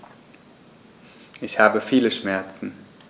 Ich habe viele Schmerzen.